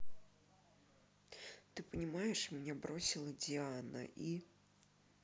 ты понимаешь меня бросила диана и